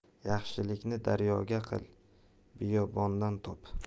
yaxshilikni daryoga qil biyobondan top